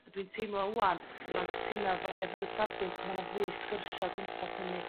Dwi'n t'imlo 'wan o ran cytuno efo efo dy safbwynt ma' 'na fwy o sgyrsia' o gwmpas hynny